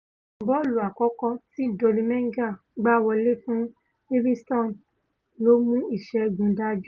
Bọ́ọ̀lù àkọ́kọ́ tí Dolly Menga gbá wọlé fún Livingston ló mú ìṣẹ́gun dájú